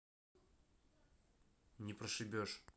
не прошибешь